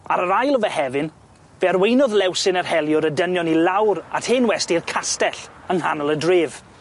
Ar yr ail o Fehefin fe arweinodd Lewsyn yr heliwr y dynion i lawr at hen westy'r castell yng nghanol y dref.